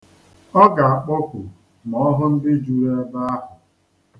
Ọ ga-akpọkwu ma ọ hụ ndị juru ebe ahụ.